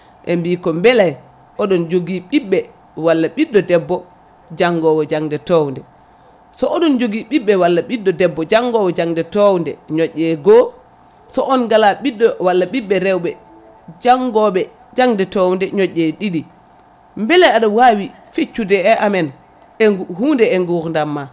ɓe mbi ko beele oɗon jogui ɓiɓɓe walla ɓiɗɗo debbo jangowo jangde towde so oɗon jogui ɓiɓɓe walla ɓiɗɗo debbo jangowo jangde towde ñoƴƴe goho so o gala ɓiɗɗo walla rewɓe jangoɓe jangde towde ñoƴƴe ɗiɗi beele aɗa wawi feccude e amen e ngu hunde e gurdam ma